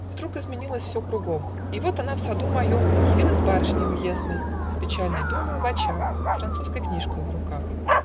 Вдруг изменилось все кругом, И вот она в саду моем Явилась барышней уездной, С печальной думою в очах, С французской книжкою в руках.